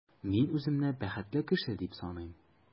Мин үземне бәхетле кеше дип саныйм.